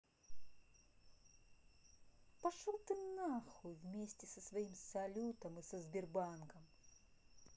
пошел ты нахуй вместе со своим салютом и со сбербанком